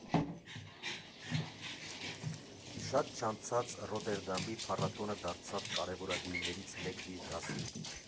Շատ չանցած, Ռոտերդամի փառատոնը դարձավ կարևորագույններից մեկն իր դասում։